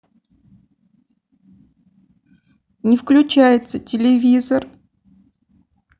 не включается телевизор